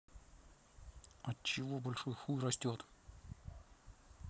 от чего большой хуй растет